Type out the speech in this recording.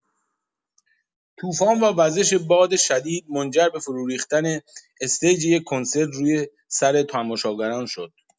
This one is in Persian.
طوفان و وزش باد شدید منجر به فرو ریختن استیج یک کنسرت روی سر تماشاگران شد.